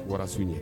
Wara su ɲɛ.